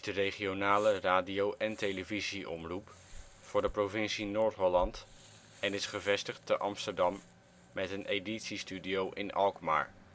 regionale radio - en televisieomroep voor de provincie Noord-Holland en is gevestigd te Amsterdam met een editie-studio in Alkmaar